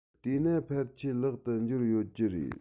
དེས ན ཕལ ཆེར ལག ཏུ འབྱོར ཡོད ཀྱི རེད